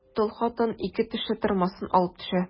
Тол хатын ике тешле тырмасын алып төшә.